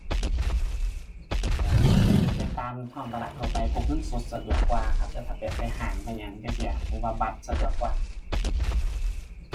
อ่อ ถ้าเป็นไปตามท้องตลาดทั่วไปพกเงินสดสะดวกกว่าครับ แต่ถ้าแบบไปห้างไปหยังจั่งเซี้ยะ ผมว่าบัตรสะดวกกว่า